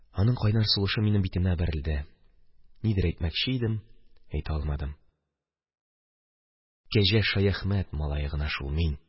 Аның кайнар сулышы минем битемә бәрелде, нидер әйтмәкче идем, әйтә алмадым – Кәҗә Шаяхмәт малае гына шул мин.